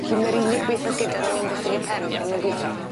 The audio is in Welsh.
Felly my'r unig beth o'dd gyda nw amddiffyn i pen... Ie. pan o' nw'n gwitho?